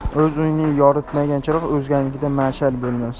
o'z uyini yoritmagan chiroq o'zganikida mash'al bo'lmas